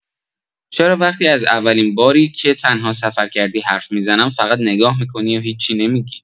چرا وقتی از اولین باری که تنها سفر کردی حرف می‌زنم، فقط نگاه می‌کنی و هیچی نمی‌گی؟